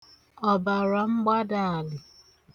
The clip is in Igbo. ọ̀bàràmgbadààlì